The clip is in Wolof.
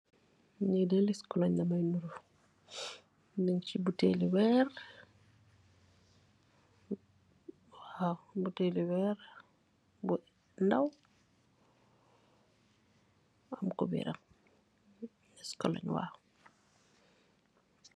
butaili weer bu am afeeri pehdicue.